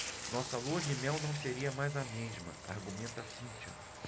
nossa lua-de-mel não seria mais a mesma argumenta cíntia